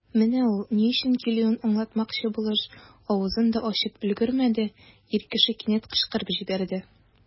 Менә ул, ни өчен килүен аңлатмакчы булыш, авызын да ачып өлгермәде, ир кеше кинәт кычкырып җибәрде.